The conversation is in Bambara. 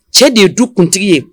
Cɛ de ye du kuntigi ye